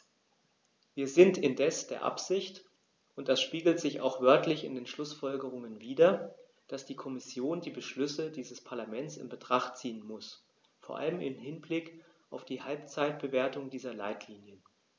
Wir sind indes der Ansicht und das spiegelt sich auch wörtlich in den Schlussfolgerungen wider, dass die Kommission die Beschlüsse dieses Parlaments in Betracht ziehen muss, vor allem im Hinblick auf die Halbzeitbewertung dieser Leitlinien.